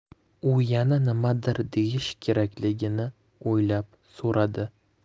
u yana nimadir deyish kerakligini o'ylab so'radi